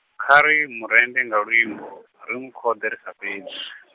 kha ri, murenzhe nga luimbo, ri mukhode ri sa fhedzi.